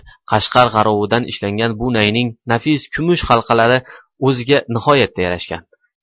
qashqar g'arovidan ishlangan bu nayning nafis kumush halqalari o'ziga nihoyatda yarashgan